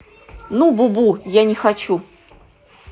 ну бубу я не хочу